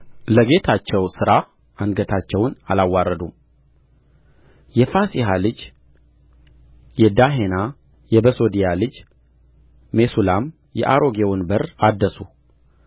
ለጌታቸው ሥራ አንገታቸውን አላዋረዱም የፋሴሐ ልጅ ዮዳሄና የበሶድያ ልጅ ሜሱላም አሮጌውን በር አደሱ